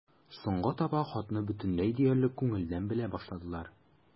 Соңга таба хатны бөтенләй диярлек күңелдән белә башладылар.